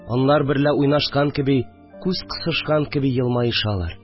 Анлар берлә уйнашкан кеби, күз кысышкан кеби елмаешалар